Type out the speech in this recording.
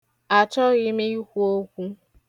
Achọghị m ikwu okwu.